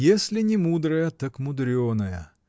— Если не мудрая, так мудреная!